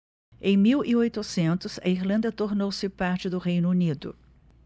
em mil e oitocentos a irlanda tornou-se parte do reino unido